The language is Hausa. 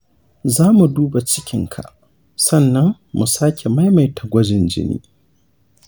za mu duba cikin ka, sannan mu sake maimaita gwajin jini.